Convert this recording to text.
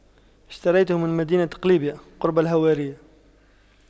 اشتريته من مدينة قليبية قرب الهوارية